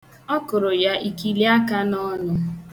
Ọ kurụ ya ikiliaka n' ọnụ.